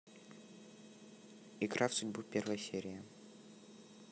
игра в судьбу первая серия